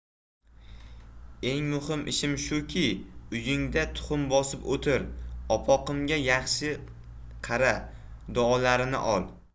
eng muhim ishim shuki uyingda tuxum bosib o'tir opoqimga yaxshi qara duolarini ol